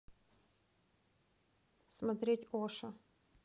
смотреть оша